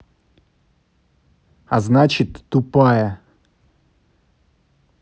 а значит ты тупая